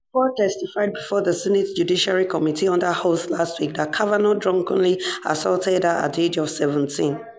Ford testified before the Senate Judiciary Committee under oath last week that Kavanaugh drunkenly assaulted her at the age of 17.